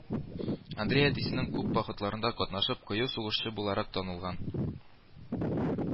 Андрей әтисенең күп походларында катнашып, кыю сугышчы буларак танылган